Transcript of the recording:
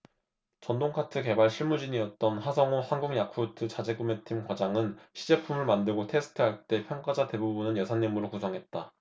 전동카트 개발 실무진이었던 하성오 한국야쿠르트 자재구매팀 과장은 시제품을 만들고 테스트할 때 평가자 대부분은 여사님으로 구성했다